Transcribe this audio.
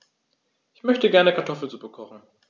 Ich möchte gerne Kartoffelsuppe kochen.